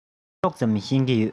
ཏོག ཙམ ཤེས ཀྱི ཡོད